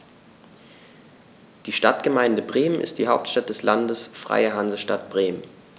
Die Stadtgemeinde Bremen ist die Hauptstadt des Landes Freie Hansestadt Bremen.